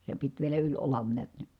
se piti vielä yli olan näet niin